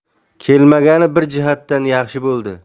kelmagani bir jihatdan yaxshi bo'ldi